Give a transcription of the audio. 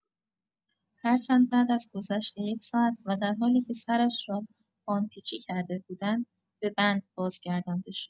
هر چند بعد از گذشت یک ساعت و در حالی که سرش را باند پیچی کرده بودند به بند بازگردانده شد.